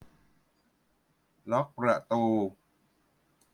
ล็อกประตู